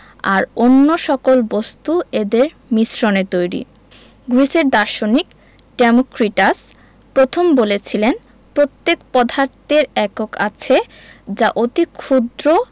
আর অন্য সকল বস্তু এদের মিশ্রণে তৈরি গ্রিসের দার্শনিক ডেমোক্রিটাস প্রথম বলেছিলেন প্রত্যেক পদার্থের একক আছে যা অতি ক্ষুদ্র